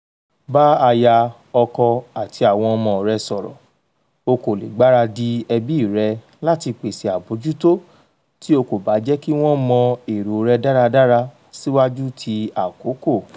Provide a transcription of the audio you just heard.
Bá aya/ọkọ àti àwọn ọmọ rẹ sọ̀rọ̀: O kò lè gbaradì ẹbí rẹ láti pèsè àbójútó tí o kò bá jẹ́ kí wọ́n mọ èrò rẹ dáradára síwájú tí àkókò.